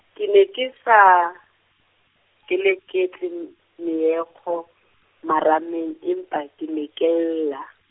ke ne ke sa, keleketle m-, meokgo, marameng empa ke ne ke lla.